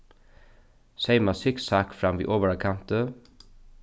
seyma sikksakk fram við ovara kanti